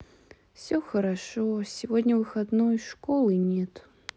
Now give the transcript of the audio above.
все хорошо сегодня выходной школы нету